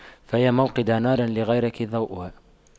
فيا موقدا نارا لغيرك ضوؤها